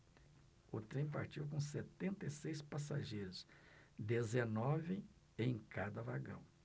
o trem partiu com setenta e seis passageiros dezenove em cada vagão